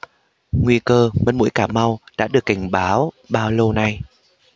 nguy cơ mất mũi cà mau đã được cảnh báo bao lâu nay